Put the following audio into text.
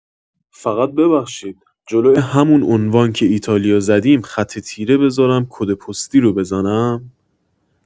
فقط ببخشید جلوی همون عنوان که ایتالیا زدیم خط تیره بزارم کد پستی رو بزنم؟